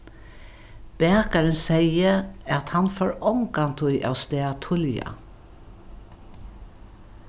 bakarin segði at hann fór ongantíð avstað tíðliga